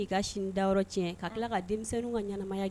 Sini da tila ka denmisɛn ka